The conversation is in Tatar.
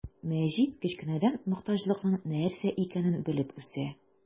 Мәҗит кечкенәдән мохтаҗлыкның нәрсә икәнен белеп үсә.